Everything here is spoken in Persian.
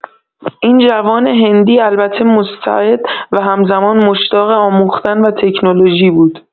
این جوان هندی البته مستعد و همزمان مشتاق آموختن و تکنولوژی بود.